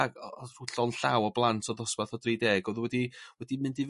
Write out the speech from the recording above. Ag o o sw- llond llaw o blant o ddosbarth o dri deg odd wedi wedi mynd i